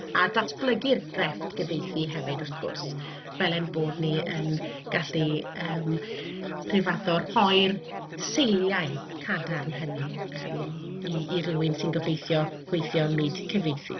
a datblygu'r grefft gyfieithu hefyd wrth gwrs, fel ein bod ni yn gallu yym rhyw fath o rhoi'r seiliau cadarn hynny yym i i rywun sy'n gobeithio gweithio ym myd cyfieithu.